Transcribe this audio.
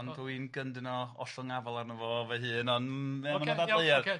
ond dwi'n gyndyn o ollwng afal arno fo fy hun... Ocê ia ocê....